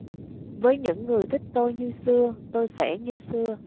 với những người thích tôi như xưa tôi sẽ như xưa